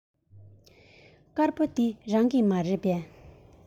དཀར པོ འདི རང གི མ རེད པས